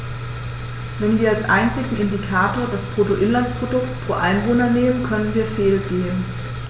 Wenn wir als einzigen Indikator das Bruttoinlandsprodukt pro Einwohner nehmen, können wir fehlgehen.